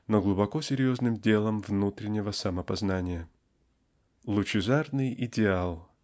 но глубоко-серьезным делом внутреннего самопознания. Лучезарный идеал!